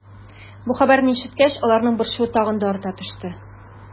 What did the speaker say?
Бу хәбәрне ишеткәч, аларның борчуы тагы да арта төште.